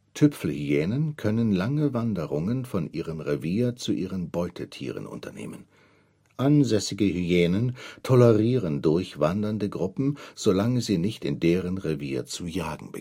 Tüpfelhyänen können lange Wanderungen von ihrem Revier zu ihren Beutetieren unternehmen. Ansässige Hyänen tolerieren durchwandernde Gruppen, solange sie nicht in deren Revier zu jagen